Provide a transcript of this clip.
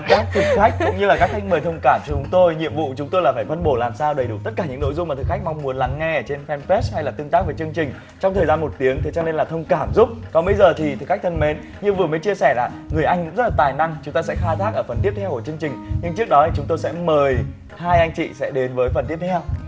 các thực khách cũng như là các khách mời thông cảm chúng tôi nhiệm vụ chúng tôi là phải phân bổ làm sao đầy đủ tất cả những nội dung mà thực khách mong muốn lắng nghe ở trên phan pết hay là tương tác với chương trình trong thời gian một tiếng thế cho nên là thông cảm giúp còn bây giờ thì thực khách thân mến như vừa mới chia sẻ rằng người anh cũng rất là tài năng chúng ta sẽ khai thác ở phần tiếp theo của chương trình nhưng trước đó chúng tôi sẽ mời hai anh chị sẽ đến với phần tiếp theo